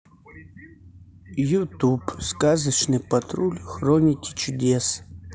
ютуб сказочный патруль хроники чудес